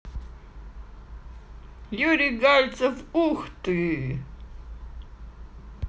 юрий гальцев ух ты